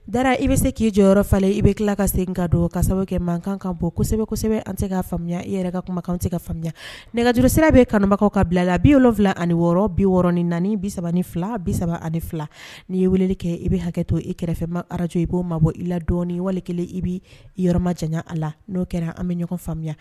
Da i bɛ se k'i jɔyɔrɔ yɔrɔ falen ye i bɛ tila ka segin ka don ka sababu kɛ mankan kan kan bɔ kosɛbɛsɛbɛ an tɛ se ka faamuya i yɛrɛ ka kuma kan an tɛ ka faamuyami nɛgɛjuru sira bɛ kanbagaw ka bila la bi wolonwula ani wɔɔrɔ biɔrɔn ni naani bisa ni fila bi saba ani fila n'i ye weleli kɛ i bɛ hakɛ to i kɛrɛfɛma araj i b'o mabɔ bɔ i ladɔn wali kelen i bɛ yɔrɔma jan a la n'o kɛra an bɛ ɲɔgɔn faamuya